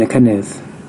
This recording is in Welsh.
y cynnydd.